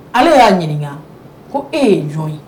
Ale y'a ɲininka ko e ye jɔn ye